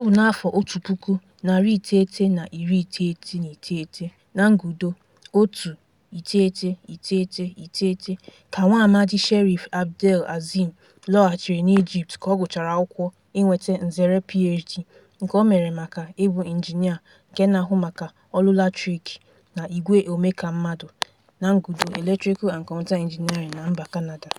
Ọ bụ n'afọ otu puku, narị iteghete na iri iteghete na iteghete (1999) ka nwaamadi Sherif Abdel-Azim lọghachiri n'Ijipt ka ọ gụchara akwụkwọ inweta nzere Ph.D nke o mere maka ị bụ Injinịa nke na-ahụ maka ọkụ latrik na igwe omekammadụ (Electrical and Computer Engineering) na mba Canada.